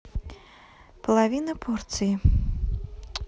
половина порции